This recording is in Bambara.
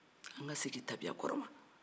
an ka segin tabiya kɔrɔ ma